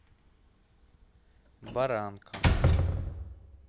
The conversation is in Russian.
баранка